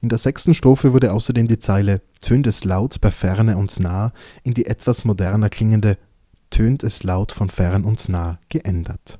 In der sechsten Strophe wurde außerdem die Zeile „ Tönt es laut bei Ferne und Nah “in die etwas moderner klingendere „ Tönt es laut von Fern’ und Nah “geändert.